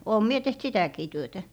olen minä tehnyt sitäkin työtä